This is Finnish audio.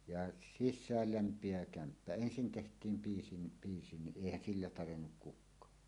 ja sisään lämpenevä kämppä ensin tehtiin piisi niin piisi niin eihän sillä tarjennut kukaan